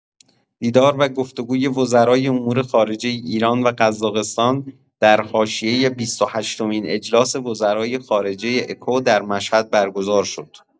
دیدار و گفت‌وگوی وزرای امور خارجه ایران و قزاقستان در حاشیه بیست و هشتمین اجلاس وزرای خارجه اکو در مشهد برگزار شد.